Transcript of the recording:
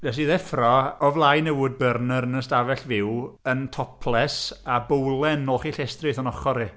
Wnes i ddeffro o flaen y woodburner yn yr ystafell fyw, yn topless a bowlen olchi llestri wrth yn ochr i.